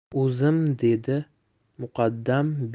o'zim dedi muqaddam